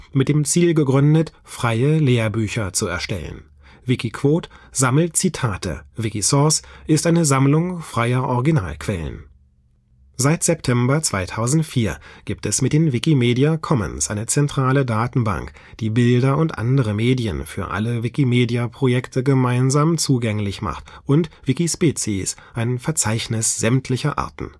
mit dem Ziel gegründet, freie Lehrbücher zu erstellen. Wikiquote sammelt Zitate; Wikisource ist eine Sammlung freier Originalquellen. Seit September 2004 gibt es mit den Wikimedia Commons eine zentrale Datenbank, die Bilder und andere Medien für alle Wikimedia-Projekte gemeinsam zugänglich macht und Wikispecies, ein Verzeichnis sämtlicher Arten